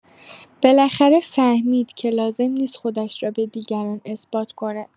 بالاخره فهمید که لازم نیست خودش را به دیگران اثبات کند.